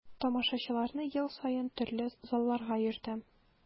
Тамашачыларны ел саен төрле залларга йөртәм.